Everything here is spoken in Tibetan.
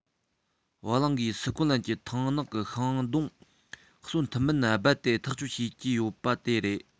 བ གླང གིས སི ཁོད ལན གྱི ཐང ནག གི ཤིང སྡོང གསོན ཐུབ མིན རྦད དེ ཐག གཅོད བྱེད ཀྱི ཡོད པ དེ རེད